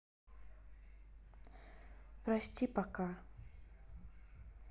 прости пока